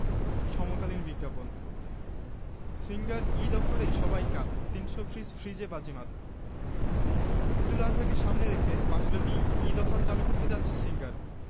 আমি এখনো এক ফোঁটা জল ও মুখে দিইনি আমি ত এখনো শুধু মার দুধ খাই হুম আমার সব অভিযোগ এর তুই ভালই জবাব দিয়ে দিয়েছিস কিন্তু তা বললে তো আর আমার পেট চলবে না